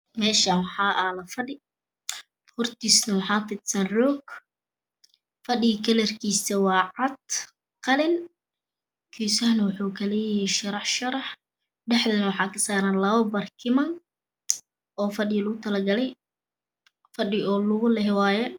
Meeshan waxa aalo fadhi hortiisana waxaa fidsan roog fadhiga Kalarkiisa waa cad qalin geesahana wuxuu Ka leeyahay sharax dhexda waxa Ka saaran labo barkin oo fadhiga loogu tala galay iyo fadhi oo luga leh waaye